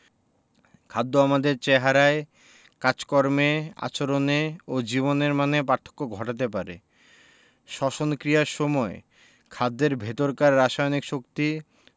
খাদ্য আমাদের চেহারায় কাজকর্মে আচরণে ও জীবনের মানে পার্থক্য ঘটাতে পারে শ্বসন ক্রিয়ার সময় খাদ্যের ভেতরকার রাসায়নিক শক্তি